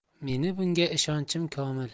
meni bunga ishonchim komil